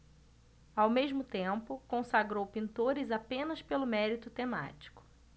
ao mesmo tempo consagrou pintores apenas por mérito temático